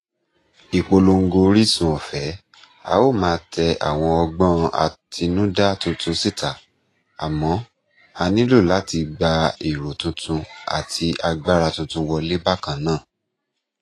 Ìpolongo orísun-ọ̀fẹ́ – a óò máa tẹ àwọn ọgbọ́n àtinúdá tuntun síta, àmọ́ a nílò láti gba èrò tuntun àti agbára tuntun wọlé bákan náà.